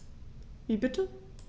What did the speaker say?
Wie bitte?